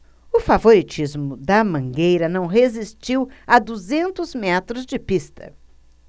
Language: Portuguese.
o favoritismo da mangueira não resistiu a duzentos metros de pista